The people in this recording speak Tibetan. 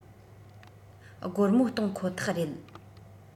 སྒོར མོ གཏོང ཁོ ཐག རེད